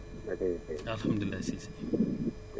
së sëriñ Bara ñu ngi lay ziar bu wér